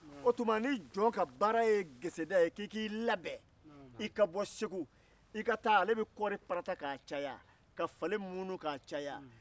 o tuma ni jɔn ka baara ye geseda ye ko i k'i labɛn i ka bɔ segu i ka taa ale bɛ kɔɔri parata k'a caya ka fale munu k'a caya